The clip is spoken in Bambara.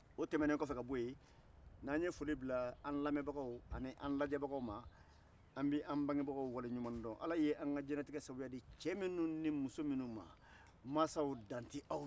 o tɛmɛnen kɔfɛ ka bɔ ye n'an ye foli bila an lamɛnbagaw ani an lajɛbagaw ma an bɛ an bangebagaw waleɲumandɔn ala ye an ka diɲɛnatigɛ sababu di cɛ minnu ni muso minnu ma mansaw dan tɛ aw la